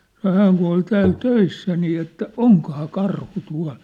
sanoi hän kun oli täällä töissä niin että onkohan karhu tuolla